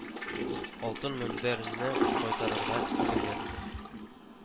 Алтын мөнбәр не кайтарырга телиләр